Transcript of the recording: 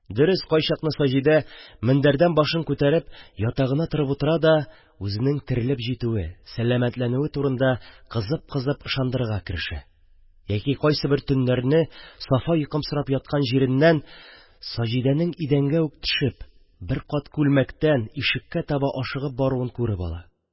Дөрес, кайчакны Саҗидә, мендәрдән башын күтәреп, ятагына торып утыра да үзенең терелеп җитүе, сәләмәтләнүе турында кызып-кызып ышандырырга керешә; яки кайсыбер төннәрне Сафа, йокымсырап яткан җиреннән, Саҗидәнең идәнгә үк төшеп, бер кат күлмәктән ишеккә таба ашыгып баруын күреп ала